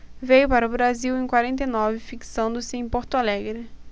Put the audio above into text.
veio para o brasil em quarenta e nove fixando-se em porto alegre